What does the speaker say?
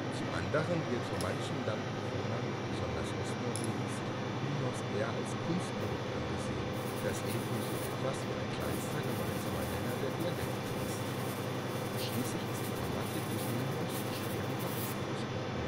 Zum anderen wird von manchen Landbewohnern besonders Ostnorwegens Nynorsk eher als Kunstprodukt angesehen, da es eben nur so etwas wie ein kleinster gemeinsamer Nenner der Dialekte ist. Und schließlich ist die Grammatik des Nynorsk schwieriger als die des Bokmål